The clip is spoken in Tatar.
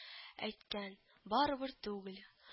Әйткән, барыбер түгел